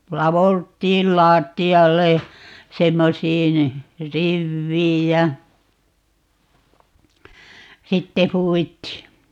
ladeltiin lattialle ja semmoisiin riveihin ja sitten huudittiin